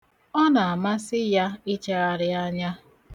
Ọ na-amasị ya ịchagharị anya.